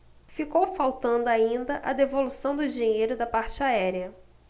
ficou faltando ainda a devolução do dinheiro da parte aérea